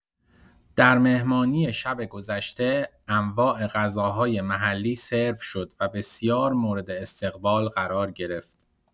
در مهمانی شب گذشته، انواع غذاهای محلی سرو شد و بسیار مورد استقبال قرار گرفت.